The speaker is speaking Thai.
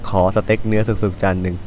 ขอสเต็กเนื้อสุกๆจานนึง